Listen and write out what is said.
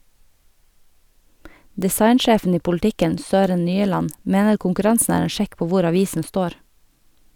Designsjefen i Politiken Søren Nyeland mener konkurransen er en sjekk på hvor avisen står.